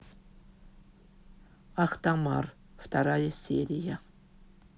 ахтамар вторая серия